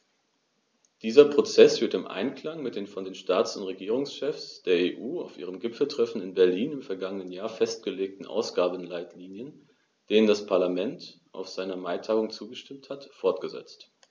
Dieser Prozess wird im Einklang mit den von den Staats- und Regierungschefs der EU auf ihrem Gipfeltreffen in Berlin im vergangenen Jahr festgelegten Ausgabenleitlinien, denen das Parlament auf seiner Maitagung zugestimmt hat, fortgesetzt.